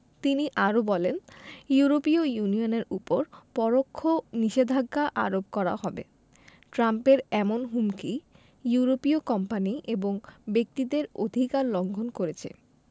তিনি আরও বলেন ইউরোপীয় ইউনিয়নের ওপর পরোক্ষ নিষেধাজ্ঞা আরোপ করা হবে ট্রাম্পের এমন হুমকি ইউরোপীয় কোম্পানি এবং ব্যক্তিদের অধিকার লঙ্ঘন করেছে